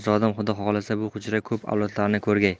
xudo xohlasa bu hujra ko'p avlodlarni ko'rgay